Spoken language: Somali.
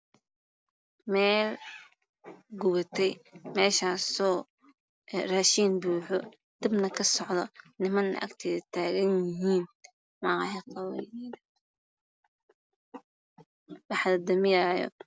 Meel gubatay meeshaan dab ka socda niman taagan yihiin waxa la damiyoo